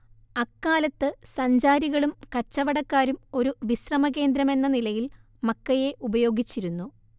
അക്കാലത്ത് സഞ്ചാരികളും കച്ചവടക്കാരും ഒരു വിശ്രമ കേന്ദ്രമെന്ന നിലയിൽ മക്കയെ ഉപയോഗിച്ചിരുന്നു